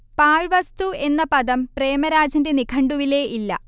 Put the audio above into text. പാഴ്വസ്തു എന്ന പദം പ്രേമരാജന്റെ നിഘണ്ടുവിലേ ഇല്ല